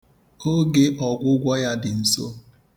Oge ọgwụgwọ ya dị nso.